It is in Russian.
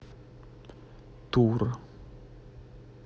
тур